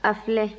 a filɛ